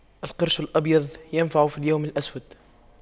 القرش الأبيض ينفع في اليوم الأسود